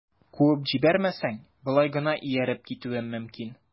Куып җибәрмәсәң, болай гына ияреп китүем мөмкин...